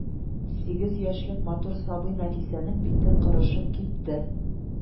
Сигез яшьлек матур сабый Нәфисәнең бите корышып кипте